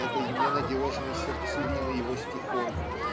этой ненадежной сердцевины его стихов